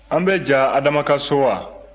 an bɛ ja adama ka so wa